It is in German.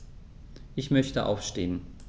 Ich möchte aufstehen.